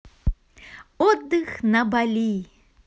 отдых на бали